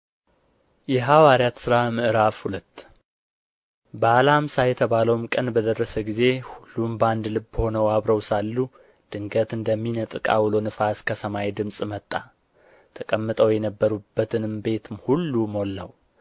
የሐዋርያት ሥራ ምዕራፍ ሁለት በዓለ ኀምሳ የተባለውም ቀን በደረሰ ጊዜ ሁሉም በአንድ ልብ ሆነው አብረው ሳሉ ድንገት እንደሚነጥቅ ዓውሎ ነፋስ ከሰማይ ድምፅ መጣ ተቀምጠው የነበሩበትንም ቤት ሁሉ ሞላው